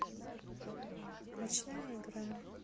ночная игра